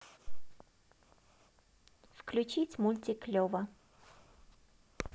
включить мультик лева